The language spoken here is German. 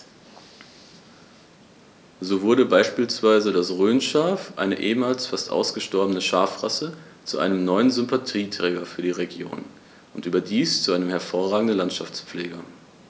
So wurde beispielsweise das Rhönschaf, eine ehemals fast ausgestorbene Schafrasse, zu einem neuen Sympathieträger für die Region – und überdies zu einem hervorragenden Landschaftspfleger.